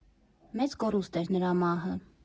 Մեծ կորուստ էր նրա մահը…